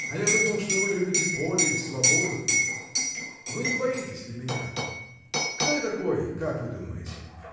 А я думал, что вы любите поле и свободу. Вы не боитесь ли меня? Кто я такой, как вы думаете?